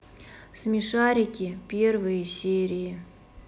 смешарики первые серии